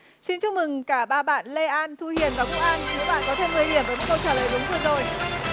xin chúc mừng cả ba bạn lê an thu hiền và phúc an mỗi bạn có thêm mười điểm ở những câu trả lời đúng vừa rồi